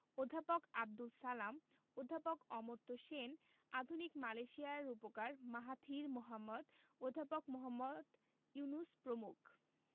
অধ্যাপক আবদুস সালাম অধ্যাপক অমর্ত্য সেন আধুনিক মালয়েশিয়ার রূপকার মাহাথির মোহাম্মদ অধ্যাপক মুহম্মদ ইউনুস প্রমুখ